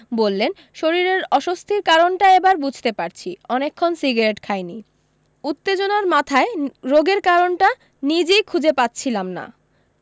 বললেন শরীরের অস্বস্তির কারণটা এবার বুঝতে পারছি অনেকক্ষণ সিগারেট খাইনি উত্তেজনার মাথায় রোগের কারণটা নিজই খুঁজে পাচ্ছিলাম না